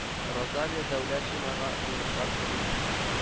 Розалия Дәүләтшинага уңышлар телик